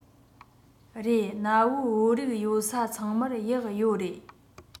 རེད གནའ བོའི བོད རིགས ཡོད ས ཚང མར གཡག ཡོད རེད